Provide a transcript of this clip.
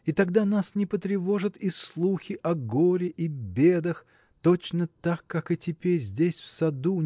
и тогда нас не потревожат и слухи о горе и бедах точно так как и теперь здесь в саду